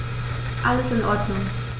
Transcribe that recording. Alles in Ordnung.